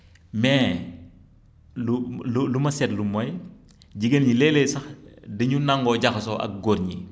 mais lu lu ma seetlu mooy jigéen ñi léeg-léeg sax du ñu nangoo jaxasoo ak góor ñi